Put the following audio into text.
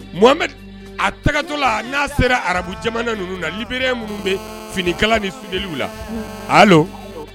Muhame a tagatɔla n'a sera arabu jamana ninnu na libib minnu bɛ finikala ni fini la